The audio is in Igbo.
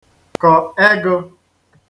kọ ẹgụ